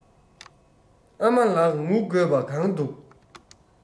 ཨ མ ལགས ངུ དགོས པ གང འདུག